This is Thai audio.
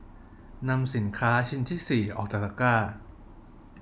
นำสินค้าชิ้นที่สี่ออกจากตะกร้า